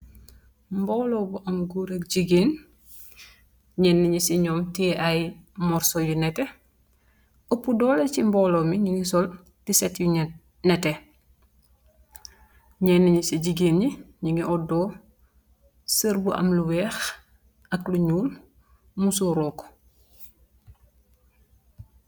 Mboolo bu am guurek ak jigéen. ñenn gñi ci ñoom te ay morso yu nete, ëpp doola ci mboolo mi ñini sol di set yu nete , ñenn ñi ci jigéen ñi ñi ngi oddoo sër bu am lu weex ak lu ñuul muso rook.